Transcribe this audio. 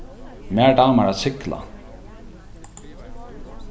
mær dámar at sigla